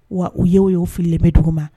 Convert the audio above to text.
Wa u y'w y'o fili bɛ dugu ma